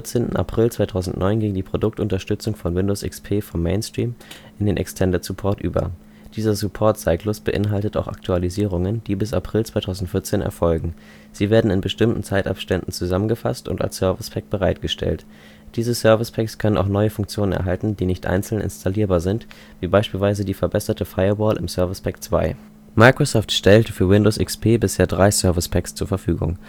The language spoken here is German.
April 2009 ging die Produktunterstützung von Windows XP vom Mainstream - in den Extended Support über. Dieser Supportzyklus beinhaltet auch Aktualisierungen, die bis April 2014 erfolgen. Sie werden in bestimmten Zeitabständen zusammengefasst und als Service Pack bereitgestellt. Diese Service Packs können auch neue Funktionen enthalten, die nicht einzeln installierbar sind, wie beispielsweise die verbesserte Firewall im Service Pack 2. Microsoft stellte für Windows XP bisher 3 Service Packs zur Verfügung